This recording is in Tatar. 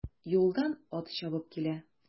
Юлдан ат чабып килә.